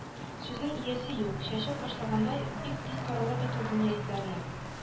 Сүзнең иясе юк, чәчеп ташлагандай, бик тиз тарала бит ул дөнья йөзләренә.